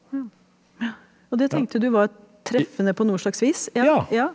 ja og det tenkte du var treffende på noe slags vis ja ja?